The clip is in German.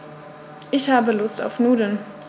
Ich habe Lust auf Nudeln.